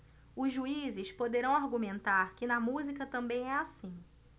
os juízes poderão argumentar que na música também é assim